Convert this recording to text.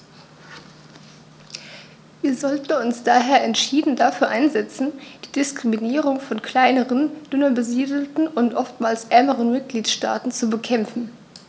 Wir sollten uns daher entschieden dafür einsetzen, die Diskriminierung von kleineren, dünner besiedelten und oftmals ärmeren Mitgliedstaaten zu bekämpfen.